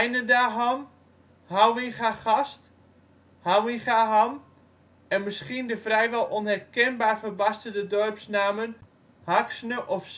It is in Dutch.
Wynedaham, Houwingagast (Houwingahof), Houwingaham en misschien de vrijwel onherkenbaar verbasterde dorpsnamen Haxne of